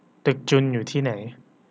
ตึกจุลอยู่ที่ไหน